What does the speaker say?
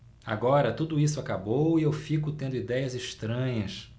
agora tudo isso acabou e eu fico tendo idéias estranhas